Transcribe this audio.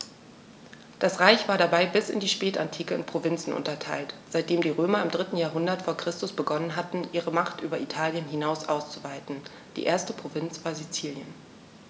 Das Reich war dabei bis in die Spätantike in Provinzen unterteilt, seitdem die Römer im 3. Jahrhundert vor Christus begonnen hatten, ihre Macht über Italien hinaus auszuweiten (die erste Provinz war Sizilien).